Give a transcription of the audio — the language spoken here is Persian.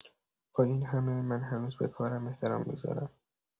با این همه، من هنوز به کارم احترام می‌ذارم.